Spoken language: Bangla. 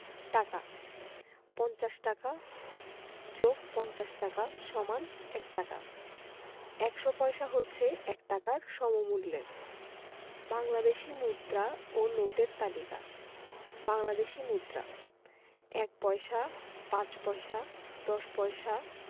টাকাঃ ৫০ টাকা + ৫০ টাকা = ১ টাকা ১০০ পয়সা হচ্ছে ১ টাকার সমমূল্যের বাংলাদেশি মুদ্রা ও নোটের তালিকাঃ বাংলাদেশি মুদ্রাঃ ১ পয়সা ৫ পয়সা ১০ পয়সা